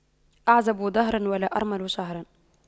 أعزب دهر ولا أرمل شهر